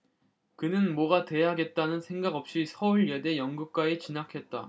그는 뭐가 돼야겠다는 생각 없이 서울예대 연극과에 진학했다